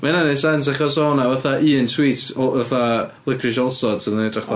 Mae hynna'n wneud sens achos oedd 'na fatha un sweet o fatha licorice allsorts yn edrych fatha...